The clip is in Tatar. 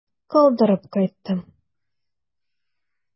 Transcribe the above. Калдырып кайттым.